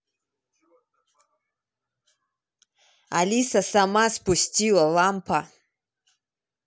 алиса сама спустила лампа